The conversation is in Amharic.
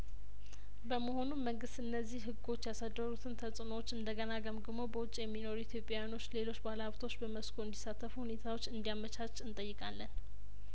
በመሆኑም መንግስት እነዚህ ህጐች ያሳደሩትን ተጽእኖዎች እንደገና ገምግሞ በውጭ የሚኖሩ ኢትዮጵያውያኖች ሌሎች ባለሀብቶች በመስኩ እንዲ ሳተፉ ሁኔታዎች እንዲ ያመቻች እንጠይቃለን